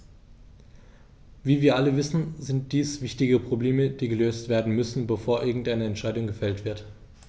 Wie wir alle wissen, sind dies wichtige Probleme, die gelöst werden müssen, bevor irgendeine Entscheidung gefällt wird.